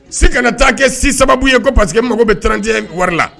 Si ka na taa kɛ si sababu ye ko parce que n mago bɛ 31 wari la.